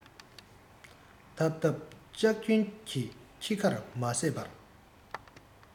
འཐབ འཐབ ལྕག རྒྱུན ཁྱི ཁར མ ཟད པར